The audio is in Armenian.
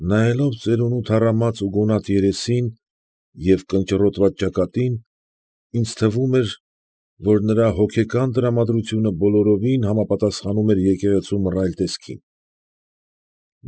Նայելով ծերունու թառամած ու գունատ երեսին և կնճռոտված ճակատին, ինձ թվում էր, որ նրա հոգեկան տրամադրությունը բոլորովին համապատասխանում էր եկեղեցու մռայլ տեսքին։